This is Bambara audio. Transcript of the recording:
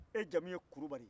e jamu ye kurubali